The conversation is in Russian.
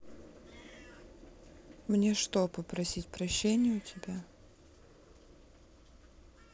мне что попросить прощения у тебя